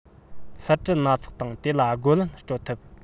བསླུ བྲིད སྣ ཚོགས དང དེ དག ལ རྒོལ ལན སྤྲོད ཐབས